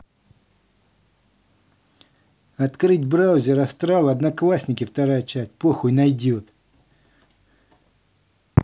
открыть браузер астрал одноклассники вторая часть похуй найдет